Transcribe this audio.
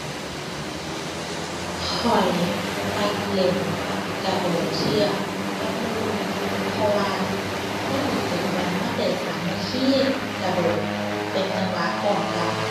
ข้อยมักเล่นกระโดดเชือกกับหมู่ เพราะว่ามันรู้สึกว่ามันได้สามัคคี กระโดดเป็นจังหวะพร้อมกัน